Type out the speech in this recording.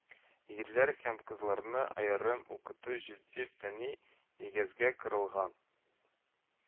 Егетләр һәм кызларны аерым укыту җитди фәнни нигезгә корылган